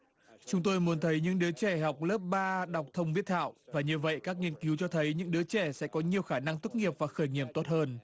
chúng tôi muốn thấy những đứa trẻ học lớp ba đọc thông viết thạo và như vậy các nghiên cứu cho thấy những đứa trẻ sẽ có nhiều khả năng tốt nghiệp và khởi nghiệp tốt hơn